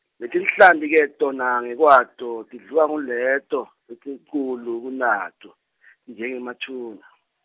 Letinhlanti ke tona, ngekwato tidliwa nguleto letinkhulu kunato, njengemaTuna.